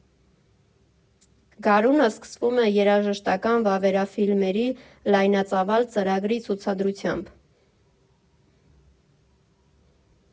Գարունը սկսվում է երաժշտական վավերաֆիլմերի լայնածավալ ծրագրի ցուցադրությամբ։